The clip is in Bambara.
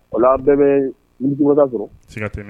O bɛɛ bɛugda sɔrɔ ska tɛmɛ